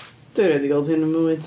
Dwi rioed 'di gweld hi'n fy mywyd.